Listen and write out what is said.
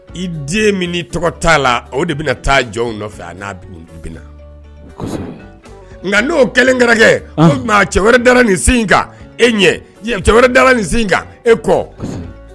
I den min tɔgɔ t'a la o de bɛna taa jɔnw nɔfɛ nka n'o kɛlen kɛra cɛ dara nin sen e ɲɛ dalara nin sen e kɔ